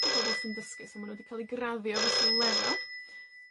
i bobol sy'n dysgu, so ma' nw 'di ca'l 'u graddio fesul lefel.